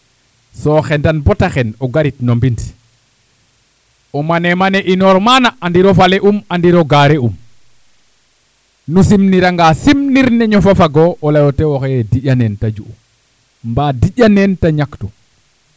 so xeɗan boo ta xen o garit no mbind o mane mane inoor maana andiro fale um andiro gaare um nu simniranga simnir ne ñof o fag o o lay o tew oxe yee diƴaneen te ju'u mbaa diƴaneen te ñaktu